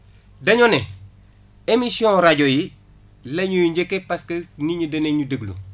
dañoo ne émission rajo yi lañuy njëkkee parce que nit ñi danañ ñu déglu